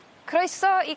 Croeso i...